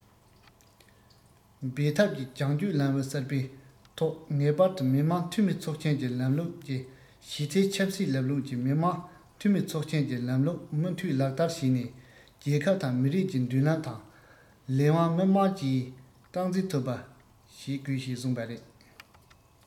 འབད འཐབ ཀྱི རྒྱང སྐྱོད ལམ བུ གསར པའི ཐོག ངེས པར དུ མི དམངས འཐུས མི ཚོགས ཆེན གྱི ལམ ལུགས ཀྱི གཞི རྩའི ཆབ སྲིད ལམ ལུགས ཀྱི མི དམངས འཐུས མི ཚོགས ཆེན གྱི ལམ ལུགས མུ མཐུད ལག བསྟར བྱས ནས རྒྱལ ཁབ དང མི རིགས ཀྱི མདུན ལམ དང ལས དབང མི དམངས ཀྱིས སྟངས འཛིན ཐུབ པ བྱེད དགོས ཞེས གསུངས པ རེད